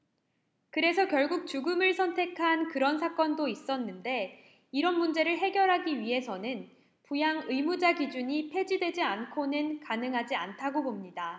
그래서 결국 죽음을 선택한 그런 사건도 있었는데 이런 문제를 해결하기 위해서는 부양의무자 기준이 폐지되지 않고는 가능하지 않다고 봅니다